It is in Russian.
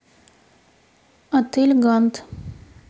отель гант